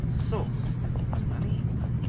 So dyma ni.